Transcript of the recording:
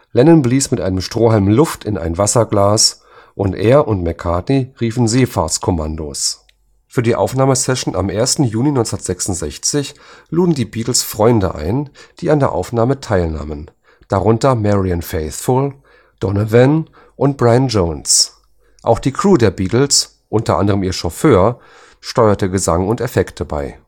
Lennon blies mit einem Strohhalm Luft in ein Wasserglas, und er und McCartney riefen Seefahrtskommandos. Für die Aufnahmesession am 1. Juni 1966 luden die Beatles Freunde ein, die an der Aufnahme teilnahmen, darunter Marianne Faithfull, Donovan und Brian Jones. Auch die Crew der Beatles – u. a. ihr Chauffeur – steuerte Gesang und Effekte bei